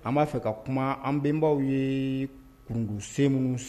An ba fɛ ka kuma an bɛnbaw ye kun sen minnu